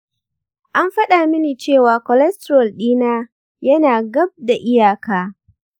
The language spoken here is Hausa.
an faɗa mini cewa cholesterol ɗina ya na gab da iyaka.